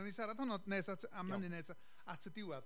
wnawn ni siarad honno nes at- am... iawn. ...hynny nes at y diwedd.